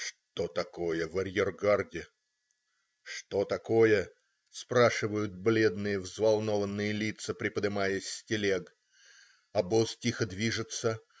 "Что такое в арьергарде?", "Что такое?" - спрашивают бледные взволнованные лица, приподымаясь с телег. Обоз тихо движется.